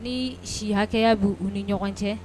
Ni si hakɛya b' u ni ɲɔgɔn cɛ